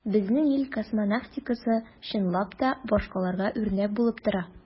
Безнең ил космонавтикасы, чынлап та, башкаларга үрнәк булып тора.